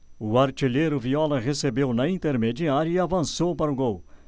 o artilheiro viola recebeu na intermediária e avançou para o gol